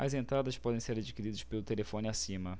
as entradas podem ser adquiridas pelo telefone acima